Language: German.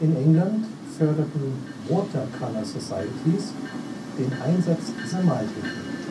England förderten Water Colour Societies den Einsatz dieser Maltechnik